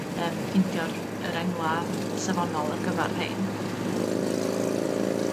yym ffeindio'r yr enwa' safonol ar gyfer rhein.